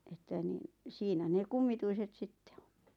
että niin siinä ne kummituiset sitten on